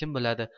kim biladi